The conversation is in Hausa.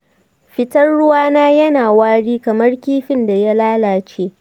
fitar ruwana yana wari kamar kifin da ya lalace.